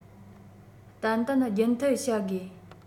ཏན ཏན རྒྱུན མཐུད བྱ དགོས